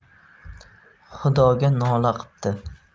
xudoga nola qipti